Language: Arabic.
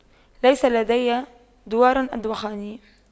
ليس لدي دوار أدوخني